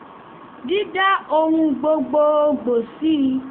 Dídá Ohùn Gbogboògbò Sí i